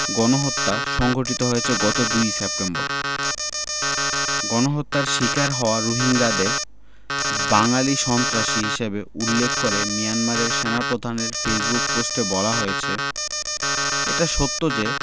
গণহত্যা সংঘটিত হয়েছে গত ২ সেপ্টেম্বর গণহত্যার শিকার হওয়া রোহিঙ্গাদের বেঙ্গলি সন্ত্রাসী হিসেবে উল্লেখ করে মিয়ানমারের সেনাপ্রধানের ফেসবুক পোস্টে বলা হয়েছে এটা সত্য যে